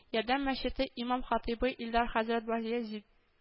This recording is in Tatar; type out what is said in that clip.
“ярдәм” мәчете имам-хатыйбы илдар хәзрәт баязи